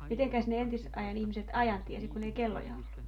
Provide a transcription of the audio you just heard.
mitenkäs ne entisajan ihmiset ajan tiesi kun ei kelloja ollut